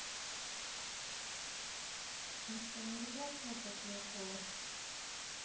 ну что не заплакала после укола